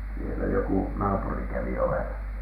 siellä joku naapuri kävi ovella